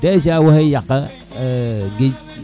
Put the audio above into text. dejas waxey yaqa